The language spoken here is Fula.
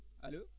alo